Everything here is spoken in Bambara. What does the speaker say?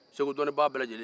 segu dɔnnibaga bɛɛ lajɛlen